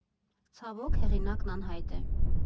Ցավոք, հեղինակն անհայտ է։